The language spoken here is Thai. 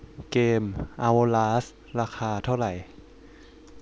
เกมเอ้าลาสราคาเท่าไหร่